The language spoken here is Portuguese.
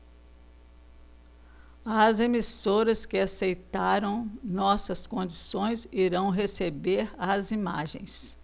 as emissoras que aceitaram nossas condições irão receber as imagens